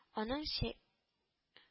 Аның чә